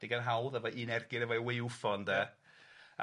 Digon hawdd efo un ergyd efo'i weuwffon, 'de?